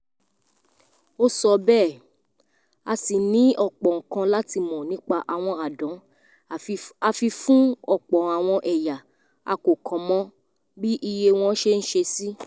Ó sọ bẹ́ẹ̀: "A ṣì ní ọ̀pọ̀ ǹkan láti mọ̀ nípa àwọn àdán àfi fún ọ̀pọ̀ àwọn ẹ̀yà a kò kàn mọ bí iye wọn ṣe ń ṣe sí."